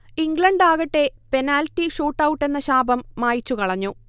ഇംഗ്ലണ്ടാകട്ടെ penalty ഷൂട്ടൗട്ടെന്ന ശാപം മായ്ച്ചു കളഞ്ഞു